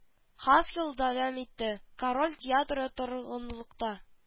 Хаскелл дәвам итте - король театры торгынлыкта